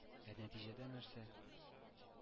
Ә нәтиҗәсе нәрсә...